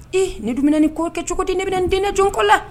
Ee ne dumuni ni ko kɛ cogo di ne bɛna diinɛ joko la